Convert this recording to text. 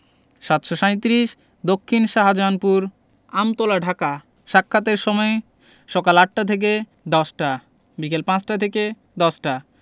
৭৩৭ দক্ষিন শাহজাহানপুর আমতলা ঢাকা সাক্ষাতের সময়ঃসকাল ৮টা থেকে ১০টা - বিকাল ৫টা থেকে ১০টা